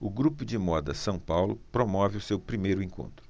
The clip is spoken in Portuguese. o grupo de moda são paulo promove o seu primeiro encontro